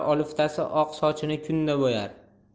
oliftasi oq sochini kunda bo'yar